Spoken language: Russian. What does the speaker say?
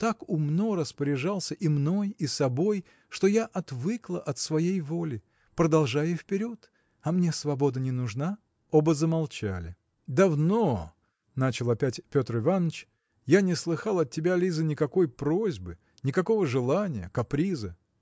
так умно распоряжался и мной и собой что я отвыкла от своей воли продолжай и вперед а мне свобода не нужна. Оба замолчали. – Давно – начал опять Петр Иваныч – я не слыхал от тебя Лиза никакой просьбы никакого желания каприза.